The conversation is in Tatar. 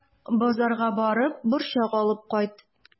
Базарга барып, борчак алып кайт.